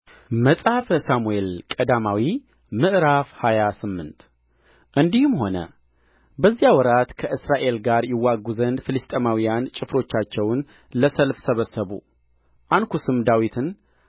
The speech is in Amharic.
መጽሐፈ ሳሙኤል ቀዳማዊ ምዕራፍ ሃያ ስምንት እንዲህም ሆነ በዚያ ወራት ከእስራኤል ጋር ይዋጉ ዘንድ ፍልስጥኤማውያን ጭፍሮቻቸውን ለሰልፍ ሰበሰቡ አንኩስም ዳዊትን